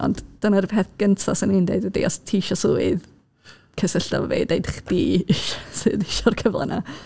Ond, dyna'r peth gyntaf 'swn i'n dweud ydy, os ti isio swydd, cysyllta efo fi, deud chdi isi- sydd isio'r cyfle 'na.